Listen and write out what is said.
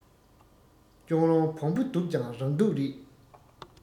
ལྕོག རོང བོང བུ སྡུག ཀྱང རང སྡུག རེད